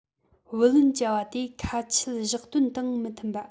བུ ལོན བཅལ བ དེ ཁ ཆད བཞག དོན དང མི མཐུན པ